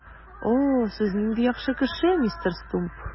О, сез нинди яхшы кеше, мистер Стумп!